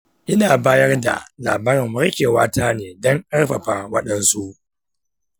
ina bayar da labarin warkewata ne don ƙarfafa waɗansu.